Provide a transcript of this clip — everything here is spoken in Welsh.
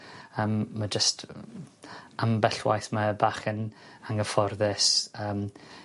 yym ma' jyst ambell waith mae e bach yn anghyfforddus yym